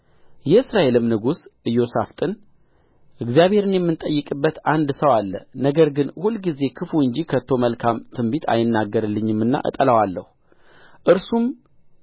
የእስራኤልም ንጉሥ ኢዮሣፍጥን እግዚአብሔርን የምንጠይቅበት አንድ ሰው አለ ነገር ግን ሁል ጊዜ ክፉ እንጂ ከቶ መልካም ትንቢት አይነግርልኝምና እጠላዋለሁ እርሱም